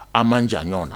An' man jan ɲɔgɔn na